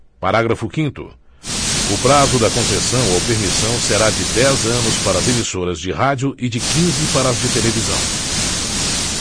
parágrafo quinto o prazo da concessão ou permissão será de dez anos para as emissoras de rádio e de quinze para as de televisão